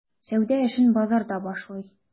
Сәүдә эшен базарда башлый.